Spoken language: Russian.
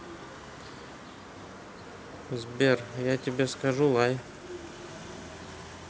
сбер я тебе скажу лай